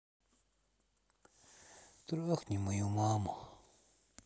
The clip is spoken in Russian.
трахни мою маму